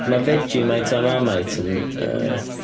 Mae vegemite a marmite yn yy...